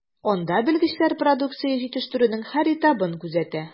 Анда белгечләр продукция җитештерүнең һәр этабын күзәтә.